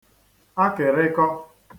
akị̀rịkọ